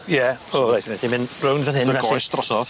Ie o reit neu thi mynd rownd fan hyn a... Dy goes drosodd.